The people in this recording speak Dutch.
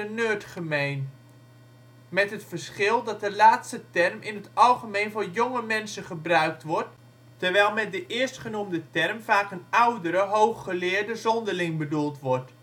nerd gemeen, met het verschil dat de laatste term in het algemeen voor jonge mensen gebruikt wordt, terwijl de eerstgenoemde term vaak een oudere hooggeleerde zonderling bedoeld wordt